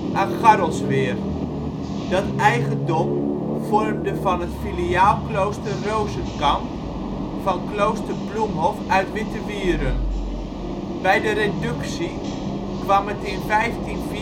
aan Garrelsweer), dat eigendom vormde van het filiaalklooster Rozenkamp van Klooster Bloemhof uit Wittewierum. Bij de Reductie kwam het in 1594 in